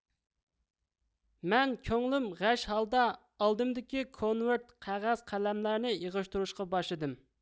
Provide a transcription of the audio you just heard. مەن كۆڭلۈم غەش ھالدا ئالدىمدىكى كونۋىرىت قەغەز قەلەملەرنى يىغىشتۇرۇشقا باشلىدىم